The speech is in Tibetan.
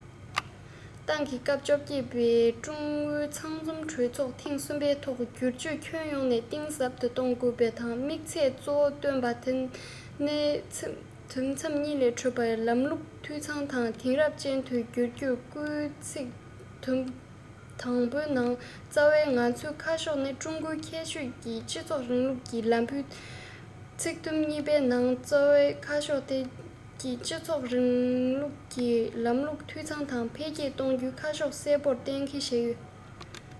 ཏང གི སྐབས བཅོ བརྒྱད པའི ཀྲུང ཨུ ཚང འཛོམས གྲོས ཚོགས ཐེངས གསུམ པའི ཐོག སྒྱུར བཅོས ཁྱོན ཡོངས ནས གཏིང ཟབ ཏུ གཏོང དགོས པའི དམིགས ཚད གཙོ བོ བཏོན པ དེ ནི ཚིག དུམ གཉིས ལས གྲུབ པའི ལམ ལུགས འཐུས ཚང དང དེང རབས ཅན དུ འགྱུར རྒྱུར སྐུལ ཚིག དུམ དང པོའི ནང རྩ བའི ང ཚོའི ཁ ཕྱོགས ནི ཀྲུང གོའི ཁྱད ཆོས ཀྱི སྤྱི ཚོགས རིང ལུགས ཀྱི ལམ བུའི ཚིག དུམ གཉིས པའི ནང རྩ བའི ཁ ཕྱོགས ཀྱི སྤྱི ཚོགས རིང ལུགས ལམ ལུགས འཐུས ཚང དང འཕེལ རྒྱས གཏོང རྒྱུའི ཁ ཕྱོགས གསལ པོ གཏན འཁེལ བྱས ཡོད